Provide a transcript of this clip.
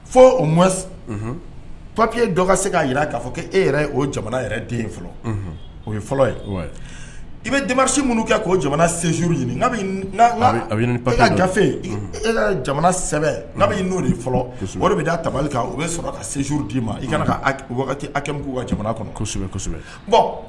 Fo u ma papi dɔgɔ se k ka jira k'a fɔ' e yɛrɛ o jamana yɛrɛ den fɔlɔ o ye fɔlɔ ye i bɛ damasi minnu kɛ k' jamana ɲini pa gafe e ka jamana n'o de fɔlɔ bɛ da tabali kan u bɛ sɔrɔ ka sinuru d'i ma i kana' ka jamana kɔnɔ kosɛbɛ